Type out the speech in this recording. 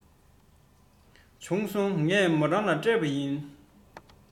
བྱུང སོང ངས མོ རང ལ སྤྲད པ ཡིན